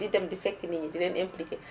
di dem di fekki nit ñi di leen impliqué